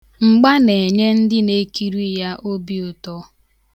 Mgba na-enye ndị na-ekiri ya obi ụtọ.